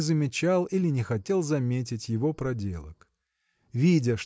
не замечал или не хотел заметить его проделок. Видя